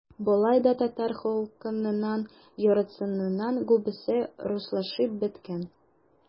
Болай да татар халкының яртысыннан күбесе - руслашып беткән.